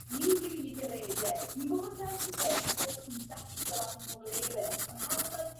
ni'n rili garedig ni'n bobol sensatif ni'n bobol sy'n becso lot am bobol eryll on' hefyd like